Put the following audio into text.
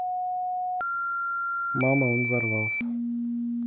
мама он взорвался